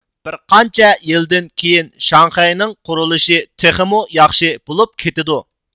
بىر قانچە يىلدىن كېيىن شاڭخەينىڭ قۇرۇلۇشى تېخىمۇ ياخشى بولۇپ كېتىدۇ